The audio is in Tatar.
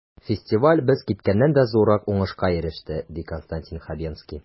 Фестиваль без көткәннән дә зуррак уңышка иреште, ди Константин Хабенский.